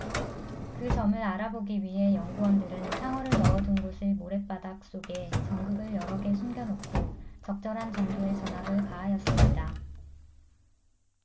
그 점을 알아보기 위해 연구원들은 상어를 넣어 둔 곳의 모랫바닥 속에 전극을 여러 개 숨겨 놓고 적절한 정도의 전압을 가하였습니다